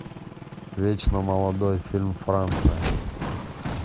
вечно молодой фильм франция